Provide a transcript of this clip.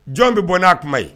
Jɔn bɛ bɔ n'a kuma ye